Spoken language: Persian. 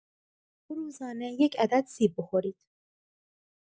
روزانه یک عدد سیب بخورید.